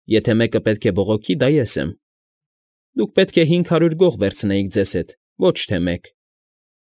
Եթե մեկը պետք է բողոքի, դա ես եմ։ Դուք պետք է հինգ հարյուր գող վերցնեիք ձեզ հետ, ոչ թե մեկ։